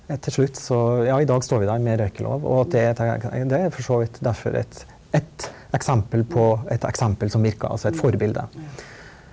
til slutt så ja i dag står vi der med røykelov og at det er det er for så vidt derfor et ett eksempel på et eksempel som virka, altså et forbilde.